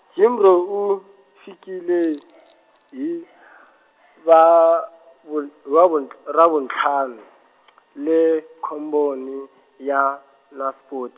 Jimbro u, fikile , hi vavu-, vavu-, ravuntlhanu , le komponi, ya Naspot-.